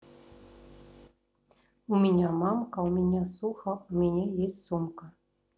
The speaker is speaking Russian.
у меня мамка у меня сухо у меня есть сумка